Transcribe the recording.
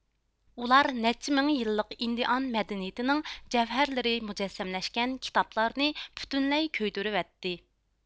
ئۇلار نەچچە مىڭ يىللىق ئىندىئان مەدەنىيىتىنىڭ جەۋھەرلىرى مۇجەسسەملەشكەن كىتابلارنى پۈتۈنلەي كۆيدۈرۈۋەتتى